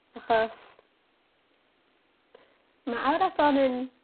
Achos ma' Ewrop bron yn